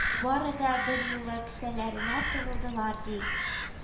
Бары да берьюлы кесәләренә тыгылдылар, ди